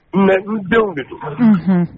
Mais i denw kɛ